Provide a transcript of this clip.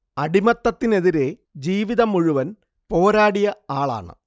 അടിമത്തത്തിനെതിരെ ജീവിതം മുഴുവൻ പോരാടിയ ആളാണ്